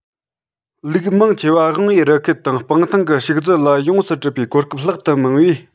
ལུག མང ཆེ བ དབང བའི རི ཁུལ དང སྤང ཐང གི ཕྱུགས རྫི ལ ཡོངས སུ འགྲུབ པའི གོ སྐབས ལྷག ཏུ མང བས